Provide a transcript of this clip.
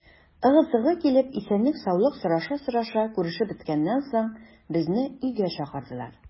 Ыгы-зыгы килеп, исәнлек-саулык сораша-сораша күрешеп беткәннән соң, безне өйгә чакырдылар.